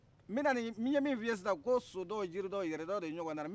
mbɛnani ɲe min f'i ye sisan ko so dɔn jiri dɔn yɛrɛ dɔn de ɲɔgɔn tɛ